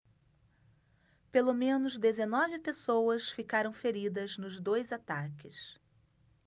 pelo menos dezenove pessoas ficaram feridas nos dois ataques